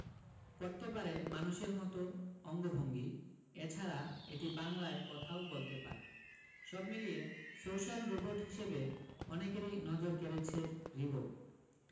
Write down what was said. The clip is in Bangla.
করতে পারে মানুষের মতো অঙ্গভঙ্গি এছাড়া এটি বাংলায় কথাও বলতে পারে সব মিলিয়ে সোশ্যাল রোবট হিসেবে অনেকেরই নজর কেড়েছে রিবো